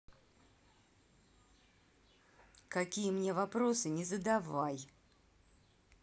какие мне вопросы не задавай